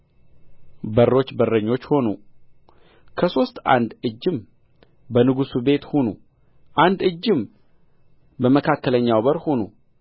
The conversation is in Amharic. በሮች በረኞች ሁኑ ከሦስት አንድ እጅም በንጉሥ ቤት ሁኑ አንድ እጅም በመካከለኛው በር ሁኑ